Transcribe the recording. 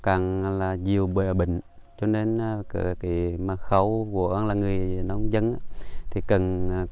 càng là nhiều bài bình cho nanna kể mật khẩu của an là nghề nông dân thì cần